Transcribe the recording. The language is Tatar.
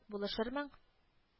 Булышырмын